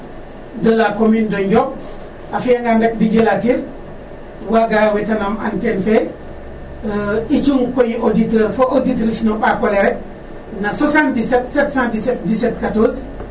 de la commune de Ndiob a fi'angaa rek DJ Latir waaga wetanaam antenne fe i cung koy auditeur, auditrice no ɓaak ole rek na 7771711714